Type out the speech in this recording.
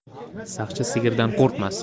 zag'cha sigirdan qo'rqmas